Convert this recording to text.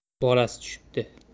bolasi tushibdi